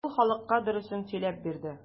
Ул халыкка дөресен сөйләп бирде.